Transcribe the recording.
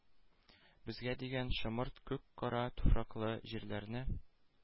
Безгә дигән шомырт күк кара туфраклы җирләрне,